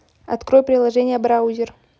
открой приложение браузер